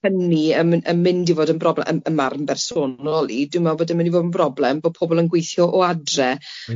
hynny yn my- yn mynd i fod yn broblem- ym marn bersonol i, dwi'n me'l bod e'n mynd i fod yn broblem bod pobol yn gweithio o adre... Ie ie...